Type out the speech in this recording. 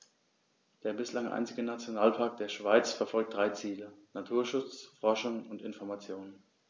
Der bislang einzige Nationalpark der Schweiz verfolgt drei Ziele: Naturschutz, Forschung und Information.